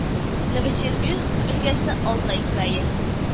Новосибирск өлкәсе, Алтай крае